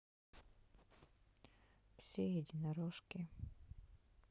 все единорожки